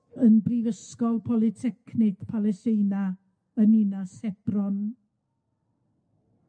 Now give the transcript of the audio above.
yn Brifysgol Polytechnic Palesteina yn Ninas Hebron.